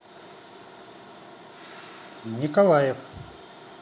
николаев